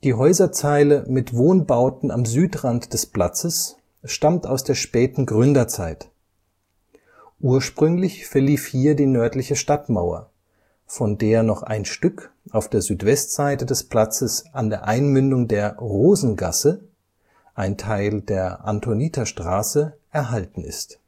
Häuserzeile mit Wohnbauten am Südrand des Platzes stammt aus der späten Gründerzeit. Ursprünglich verlief hier die nördliche Stadtmauer, von der noch ein Stück auf der Südwestseite des Platzes an der Einmündung der „ Rosengasse “– ein Teil der Antoniterstraße – erhalten ist